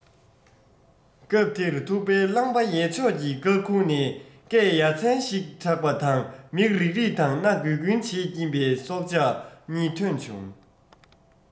སྐབས དེར ཐུག པའི རླངས པ ཡལ ཕྱོགས ཀྱི སྐར ཁུང ནས སྐད ཡ མཚན ཞིག གྲགས པ དང མིག རིག རིག དང སྣ འགུལ འགུལ བྱེད ཀྱིན པའི སྲོག ཆགས གཉིས ཐོན བྱུང